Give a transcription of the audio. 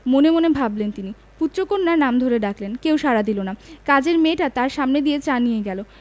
মনে মনে ভাবলেন তিনি পুত্র কন্যার নাম ধরে ডাকলেন কেউ সাড়া দিল না কাজের মেয়েটা তাঁর সামনে দিয়ে চা নিয়ে গেল